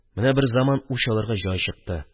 Менә берзаман үч алырга җай чыкты.